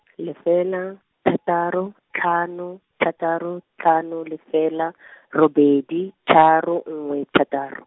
lefela, thataro, tlhano, thataro tlhano lefela , robedi, tharo nngwe thataro.